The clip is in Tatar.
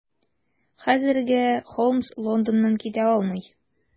Хәзергә Холмс Лондоннан китә алмый.